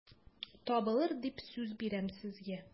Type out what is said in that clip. Табылыр дип сүз бирәм сезгә...